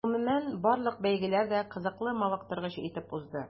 Гомумән, барлык бәйгеләр дә кызыклы, мавыктыргыч итеп узды.